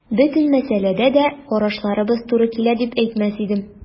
Бөтен мәсьәләдә дә карашларыбыз туры килә дип әйтмәс идем.